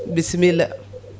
bissimilla